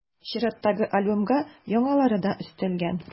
Чираттагы альбомга яңалары да өстәлгән.